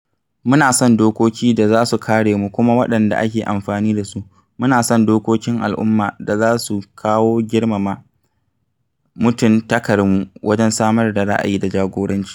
Muna son dokoki da za su kare mu kuma waɗanda ake amfani da su, muna son dokokin al'umma da za su kawo girmama mutuntakarmu wajen samar da ra'ayi da jagoranci.